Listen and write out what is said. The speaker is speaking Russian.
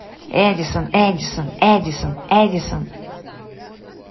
эдисон эдисон эдисон эдисон